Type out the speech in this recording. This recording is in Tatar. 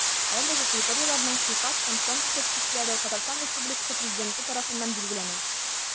Әлеге критерийларның сыйфат һәм сан күрсәткечләре Татарстан Республикасы Президенты тарафыннан билгеләнә.